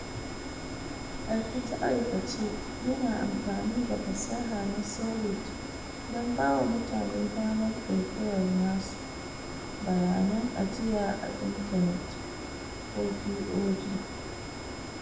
Aikace-aikace yana amfani da fasaha na Solid don bawa mutane damar ƙirƙirar nasu "bayanan ajiya a intanit" ko POD.